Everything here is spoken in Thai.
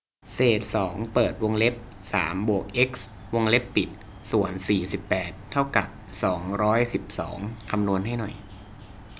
เศษสองเปิดวงเล็บสามบวกเอ็กซ์วงเล็บปิดส่วนสี่สิบแปดเท่ากับสองร้อยสิบสองคำนวณให้หน่อย